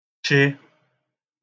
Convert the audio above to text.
chị